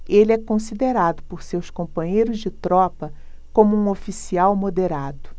ele é considerado por seus companheiros de tropa como um oficial moderado